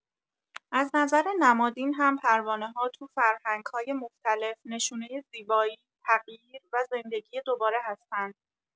از نظر نمادین هم پروانه‌ها تو فرهنگ‌های مختلف نشونه زیبایی، تغییر و زندگی دوباره هستن.